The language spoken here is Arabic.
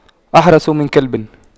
أحرس من كلب